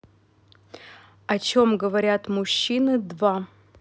о чем говорят мужчины два